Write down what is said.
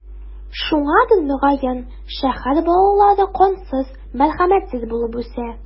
Шуңадыр, мөгаен, шәһәр балалары кансыз, мәрхәмәтсез булып үсә.